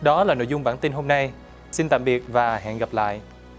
đó là nội dung bản tin hôm nay xin tạm biệt và hẹn gặp lại